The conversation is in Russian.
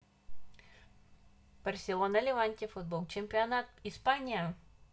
барселона леванте футбол чемпионат испания